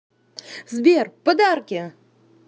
сбер подарки